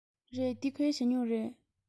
རེད འདི ཁོའི ཞ སྨྱུག རེད